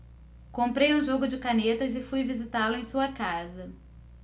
comprei um jogo de canetas e fui visitá-lo em sua casa